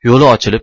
yo'li ochilib